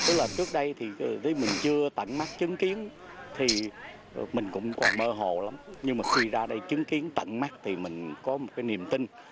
tức là trước đây thì mình chưa tận mắt chứng kiến thì mình cũng còn mơ hồ lắm nhưng mà khi ra đây chứng kiến tận mắt thì mình có một cái niềm tin